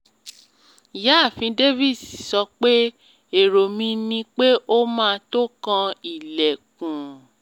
Ìyáàfin Davis sọ pé: “Èrò mi ni pé ó ma tó kan ilẹ̀kùn.”